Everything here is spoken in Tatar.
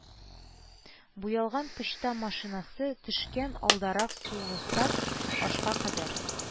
Буялган почта машинасы төштән алдарак сугылса, ашка кадәр